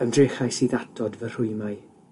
Ymdrechais i ddatod fy rhwymai